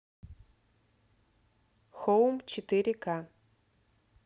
хоум четыре ка